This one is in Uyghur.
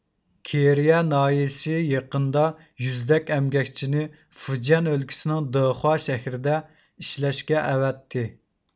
كېرىيە ناھىيىسى يېقىندا يۈزدەك ئەمگەكچىنى فۇجيەن ئۆلكىسىنىڭ دېخۇا شەھىرىدە ئىشلەشكە ئەۋەتتى